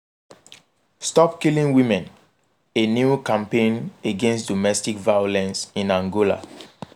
‘Stop killing women’ — a new campaign against domestic violence in Angola